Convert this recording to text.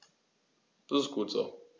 Das ist gut so.